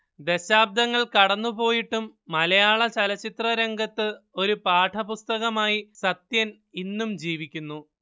ദശാബ്ദങ്ങൾ കടന്നുപോയിട്ടും മലയാള ചലച്ചിത്ര രംഗത്ത് ഒരു പാഠപുസ്തകമായി സത്യൻ ഇന്നും ജീവിക്കുന്നു